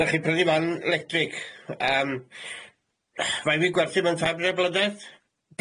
Ga' chi pryddi fan electric yym faint fi'n gwerthu mewn tair blynedd?